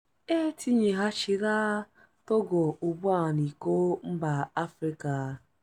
E tinyeghachila Togo ugbu a n'Iko Mba Africa.